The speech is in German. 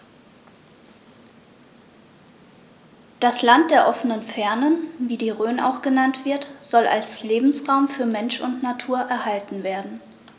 Das „Land der offenen Fernen“, wie die Rhön auch genannt wird, soll als Lebensraum für Mensch und Natur erhalten werden.